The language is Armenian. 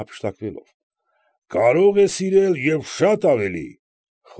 Հափշտակվելով,֊ կարող է սիրել և շատ ավելի։